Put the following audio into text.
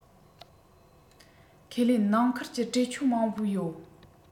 ཁས ལེན ནང ཁུལ གྱི གྲོས ཆོད མང པོ ཡོད